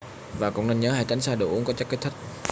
và cũng nên nhớ hãy tránh xa đồ uống có chất kích thích